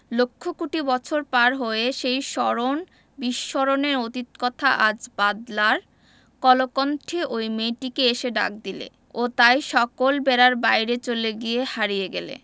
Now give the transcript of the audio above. লক্ষ কোটি বছর পার হয়ে সেই স্মরণ বিস্মরণের অতীত কথা আজ বাদলার কলকণ্ঠে ঐ মেয়েটিকে এসে ডাক দিলে ও তাই সকল বেড়ার বাইরে চলে গিয়ে হারিয়ে গেল